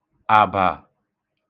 àbà